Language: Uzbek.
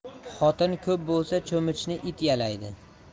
xotin ko'p bo'lsa cho'michni it yalaydi